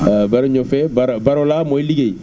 mooy liggéey